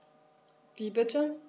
Wie bitte?